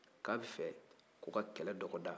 k'a b'a fɛ ko ka kɛlɛ dɔgɔda